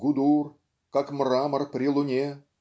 Гудур - как мрамор при луне.